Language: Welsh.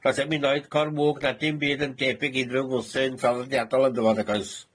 Does e'm hyd n'oed corn mwg na dim byd yn debyg i unrhyw fwthyn traddodiadol ynddo fo nag oes.